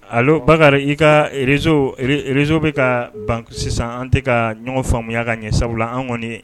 Allo Bakari i ka réseau ré réseau be kaa ban k sisaan an te kaa ɲɔgɔn faamuɲa kaɲɛ sabula an ŋɔni